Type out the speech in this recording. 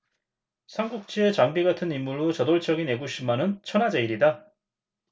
삼국지의 장비 같은 인물로 저돌적인 애국심만은 천하제일이다